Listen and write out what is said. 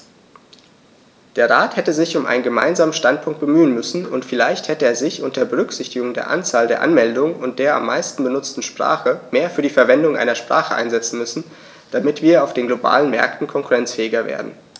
Der Rat hätte sich um einen gemeinsamen Standpunkt bemühen müssen, und vielleicht hätte er sich, unter Berücksichtigung der Anzahl der Anmeldungen und der am meisten benutzten Sprache, mehr für die Verwendung einer Sprache einsetzen müssen, damit wir auf den globalen Märkten konkurrenzfähiger werden.